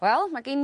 Wel ma' gin...